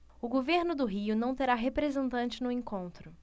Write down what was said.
o governo do rio não terá representante no encontro